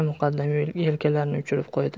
muqaddam yelkalarini uchirib qo'ydi